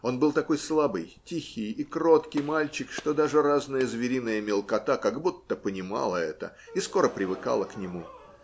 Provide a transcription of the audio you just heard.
Он был такой слабый, тихий и кроткий мальчик, что даже разная звериная мелкота как будто понимала это и скоро привыкала к нему.